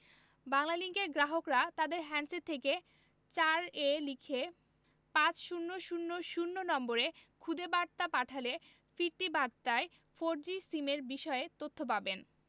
বাংলালিংকের গ্রাহকরা তাদের হ্যান্ডসেট থেকে ৪ এ লিখে পাঁচ শূণ্য শূণ্য শূণ্য নম্বরে খুদে বার্তা পাঠালে ফিরতি বার্তায় ফোরজি সিমের বিষয়ে তথ্য পাবেন